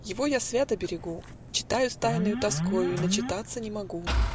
Его я свято берегу, Читаю с тайною тоскою И начитаться не могу.